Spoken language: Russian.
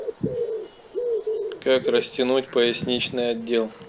как растянуть поясничный отдел